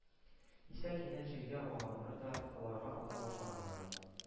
Исә кинәт җиргә ауганнар да боларга ата башлаганнар